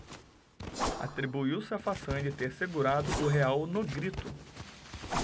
atribuiu-se a façanha de ter segurado o real no grito